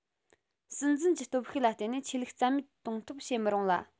སྲིད འཛིན གྱི སྟོབས ཤུགས ལ བརྟེན ནས ཆོས ལུགས རྩ མེད གཏོང ཐབས བྱེད མི རུང ལ